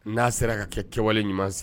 N'a sera ka kɛ kɛwale ɲuman